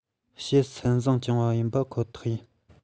བཤད སེམས བཟང བཅངས པ ཡིན པ ཁོ ཐག རེད